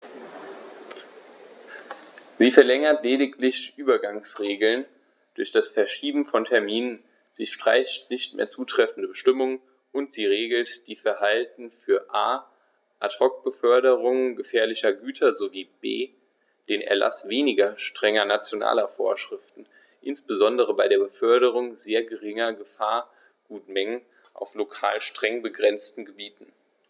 Sie verlängert lediglich Übergangsregeln durch das Verschieben von Terminen, sie streicht nicht mehr zutreffende Bestimmungen, und sie regelt die Verfahren für a) Ad hoc-Beförderungen gefährlicher Güter sowie b) den Erlaß weniger strenger nationaler Vorschriften, insbesondere bei der Beförderung sehr geringer Gefahrgutmengen auf lokal streng begrenzten Gebieten.